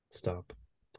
Stop.